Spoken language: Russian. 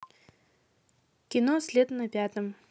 кино след на пятом